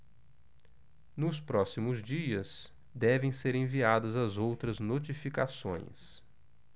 nos próximos dias devem ser enviadas as outras notificações